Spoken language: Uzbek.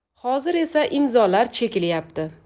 hozir esa imzolar chekilyapti